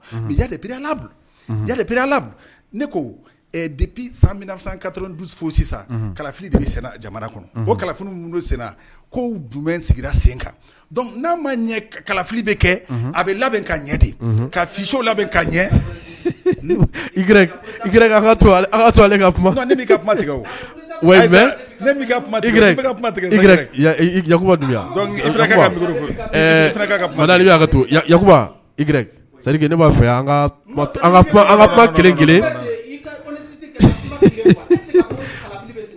Ko sen n' bɛ labɛn ɲɛ kasiw labɛn ka ɲɛ to ka kumakɛ tokubari ne b'a fɛ kelen